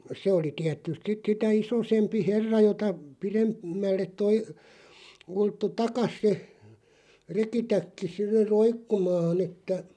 se oli tietysti sitten sitä isompi herra jota - pidemmälle tuo ulottui taa se rekitäkki sille roikkumaan että